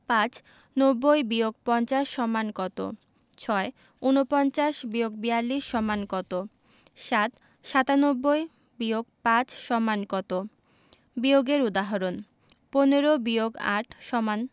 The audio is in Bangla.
৫ ৯০-৫০ = কত ৬ ৪৯-৪২ = কত ৭ ৯৭-৫ = কত বিয়োগের উদাহরণঃ ১৫ – ৮ =